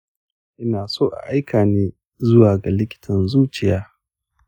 ina son a aika ni zuwa ga likitan zuciya.